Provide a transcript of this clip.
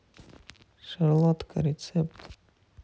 шарлотка рецепт